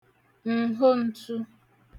nhon̄tū